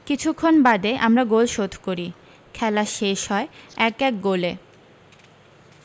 কিছুক্ষণ বাদে আমরা গোল শোধ করি খেলা শেষ হয় এক এক গোলে